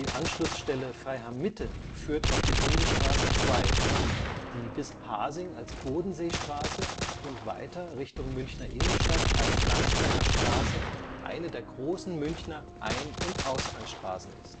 Anschlussstelle Freiham-Mitte führt auf die Bundesstraße 2, die bis Pasing als Bodenseestraße und weiter Richtung Münchner Innenstadt als Landsberger Straße eine der großen Münchner Ein - und Ausfallstraßen ist